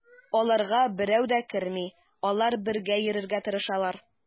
Аларга берәү дә керми, алар бергә йөрергә тырышалар.